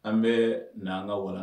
An bɛ naan kawalan